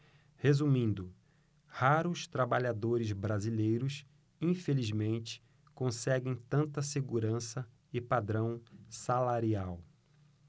resumindo raros trabalhadores brasileiros infelizmente conseguem tanta segurança e padrão salarial